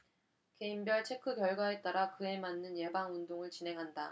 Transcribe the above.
개인별 체크 결과에 따라 그에 맞는 예방 운동을 진행한다